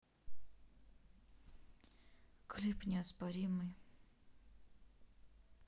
клип неоспоримый